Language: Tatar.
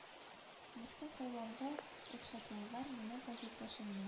Мескен хайванга охшаттылар минем газиз башымны